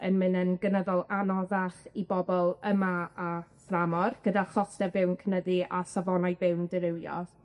yn myn' yn gynyddol anoddach i bobol yma a thramor, gyda choste buw yn cynyddu a safonau buw'n dirywio.